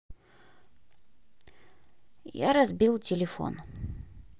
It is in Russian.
я разбил телефон